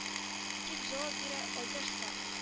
Дип җавап бирә айдаш карт